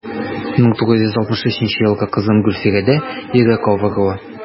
1963 елгы кызым гөлфирәдә йөрәк авыруы.